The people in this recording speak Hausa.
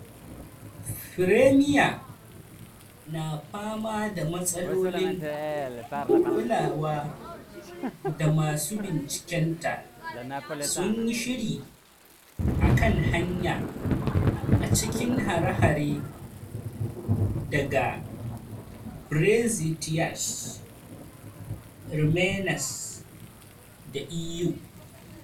Fremiya na fama da matsalolin kulawa da masu bincikenta sunyi shiri akan hanya a cikin hare-hare daga Brexiteers, Remainers da EU.